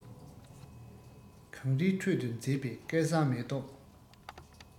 གངས རིའི ཁྲོད དུ མཛེས པའི སྐལ བཟང མེ ཏོག